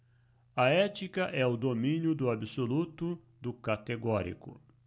a ética é o domínio do absoluto do categórico